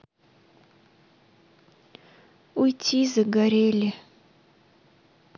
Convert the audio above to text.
уйти загорели